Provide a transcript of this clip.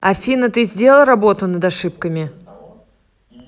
афина ты сделал работу над ошибками